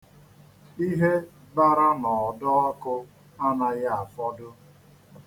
Ihe bara n'ọdọọkụ anaghị afọdụ.